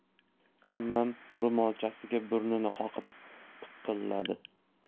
ammam ro'molchasiga burnini qoqib piqilladi